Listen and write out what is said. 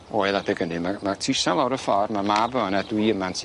Oedd adeg 'ynny ma' ma' tisa lawr y ffor' ma' mab yma a dwi yma'n...